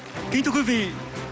quý vị